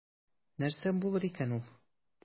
Нәрсә булыр икән ул?